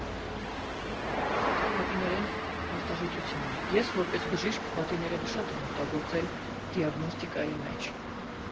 Դա լատիներեն արտահայտություն է, ես՝ որպես բժիշկ, լատիներենը շատ եմ օգտագործել դիագնոստիկայի մեջ։